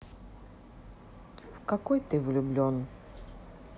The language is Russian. в какой ты влюблен